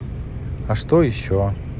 а что еще